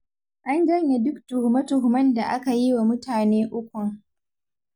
An janye duk tuhume-tuhumen da ake yi wa mutane ukun.